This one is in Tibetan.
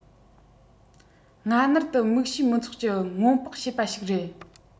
སྔ སྣུར དུ དམིགས བྱའི མི ཚོགས ཀྱི སྔོན དཔག བྱེད པ ཞིག རེད